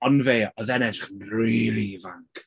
Ond fe. Oedd e'n edrych yn really ifanc.